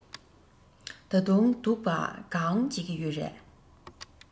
ད དུང སྡུག པ གང བྱེད ཀྱི ཡོད རས